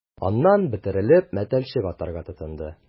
Аннан, бөтерелеп, мәтәлчек атарга тотынды...